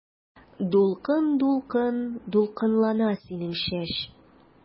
Дулкын-дулкын дулкынлана синең чәч.